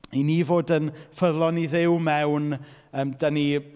I ni fod yn ffyddlon i Dduw mewn, yym, dan ni...